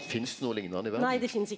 finst det noko liknande i verda?